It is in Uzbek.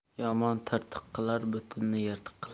yomon tirtiq qilar butunni yirtiq qilar